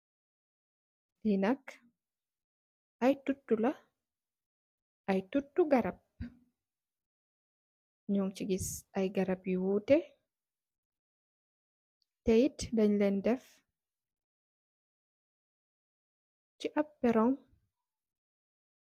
Li aye toutou garrap la noung ci guisse aye garrap you wouteh noung ko definitely ci amb perrong